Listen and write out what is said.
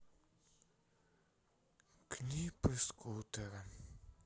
клипы скутера